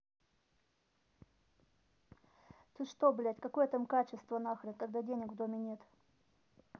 ты что блядь там какое качество нахрен когда денег в доме нет